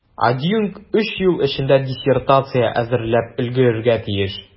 Адъюнкт өч ел эчендә диссертация әзерләп өлгерергә тиеш.